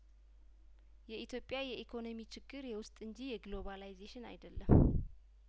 የኢትዮጵያ የኢኮኖሚ ችግር የውስጥ እንጂ የግሎባላይዜሽን አይደለም